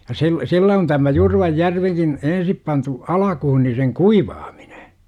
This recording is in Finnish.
ja sillä sillä on tämä Jurvajärvikin ensin pantu alkuun niin sen kuivaaminen